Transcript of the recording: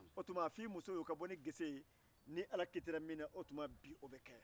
o tuma k'a k'a fɔ a musow ye k'u ka bɔ ni ges ye ni ala kitira min na o bɛ